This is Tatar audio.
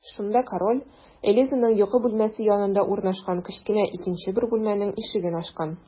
Шунда король Элизаның йокы бүлмәсе янында урнашкан кечкенә икенче бер бүлмәнең ишеген ачкан.